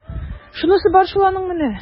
Шунысы бар шул аның менә! ..